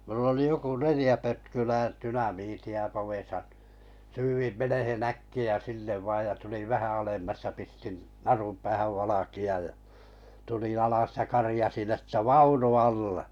no minulla oli joku neljä pötkylää dynamiittia povessa syydin menemään äkkiä sinne vain ja tulin vähän alemmas ja pistin narun päähän valkean ja tulin alas ja karjaisin että vaunu alle